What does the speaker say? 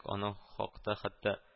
Аның хакта хәтта